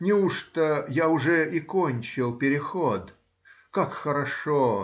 неужто я уже и кончил переход? Как хорошо!